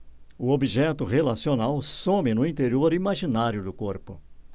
o objeto relacional some no interior imaginário do corpo